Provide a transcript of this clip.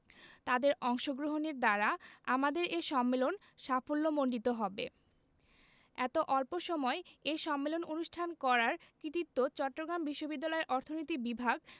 তাদের অংশগ্রহণের দ্বারা আমাদের এ সম্মেলন সাফল্যমণ্ডিত হবে এত অল্প সময় সম্মেলন অনুষ্ঠান করার কৃতিত্ব চট্টগ্রাম বিশ্ববিদ্যালয়ের অর্থনীতি বিভাগ